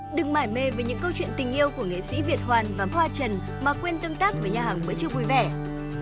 đừng mải mê với những câu chuyện tình yêu của nghệ sĩ việt hoàn và hoa trần mà quên tương tác với nhà hàng bữa trưa vui vẻ